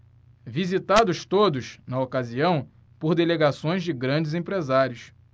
visitados todos na ocasião por delegações de grandes empresários